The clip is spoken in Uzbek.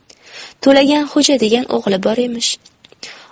to'laganxo'ja degan o'g'li bor emish